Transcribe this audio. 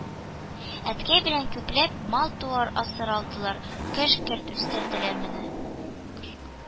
Әткәй белән күпләп мал-туар асрадылар, кош-корт үстерделәр, менә